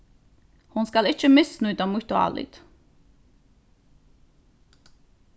hon skal ikki misnýta mítt álit